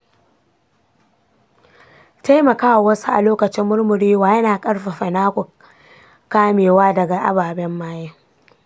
taimaka wa wasu a lokacin murmurewa yana ƙarfafa naku kamewan daga ababen maye.